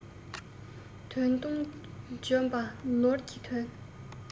དོན མཐུན འཇོམས པ ནོར གྱི དོན